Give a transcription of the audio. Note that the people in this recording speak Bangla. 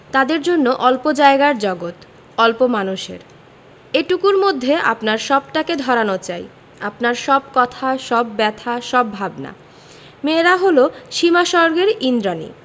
তাদের জন্য অল্প জায়গার জগত অল্প মানুষের এটুকুর মধ্যে আপনার সবটাকে ধরানো চাই আপনার সব কথা সব ব্যাথা সব ভাবনা মেয়েরা হল সীমাস্বর্গের ঈন্দ্রাণী